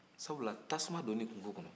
sabula tasuma donni kungo kɔnɔ